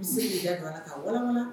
Se ka wara